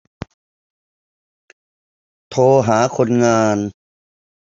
โทรหาคนงาน